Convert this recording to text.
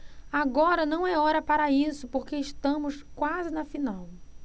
agora não é hora para isso porque estamos quase na final